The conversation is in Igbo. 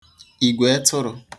ìgwè etụrụ̄